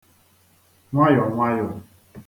nwayòò nwayòò